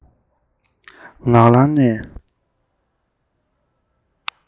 ཡང ངག ལམ ནས